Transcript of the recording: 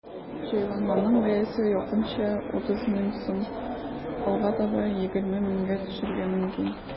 Җайланманың бәясе якынча 30 мең сум, алга таба 20 меңгә төшәргә мөмкин.